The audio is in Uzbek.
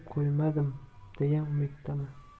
qo'ymadim degan umiddaman